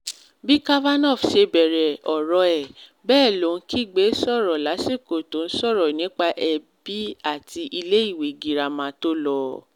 Bí Kavanaugh se bẹ̀rẹ̀ ọ̀rọ̀ ẹ, bẹ́ẹ̀ ló ń kígbe sọ̀rọ̀ lásìkò tó ń sọ̀rọ̀ nípa ẹbí àti ilé-ìwé girama to lọ.